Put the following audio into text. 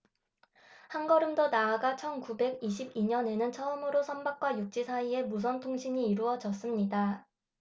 한 걸음 더 나아가 천 구백 이십 이 년에는 처음으로 선박과 육지 사이에 무선 통신이 이루어졌습니다